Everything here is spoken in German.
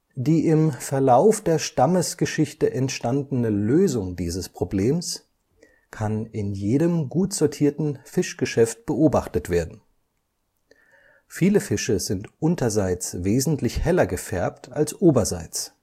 Die im Verlauf der Stammesgeschichte entstandene „ Lösung “dieses Problems kann in jedem gut sortierten Fischgeschäft beobachtet werden: Viele Fische sind unterseits wesentlich heller gefärbt als oberseits